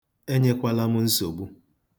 Enyekwala m nsogbu.